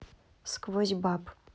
сквозь баб